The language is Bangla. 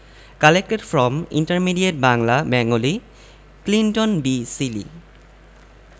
collected from intermediate Bangla Bengali Clinton B Seely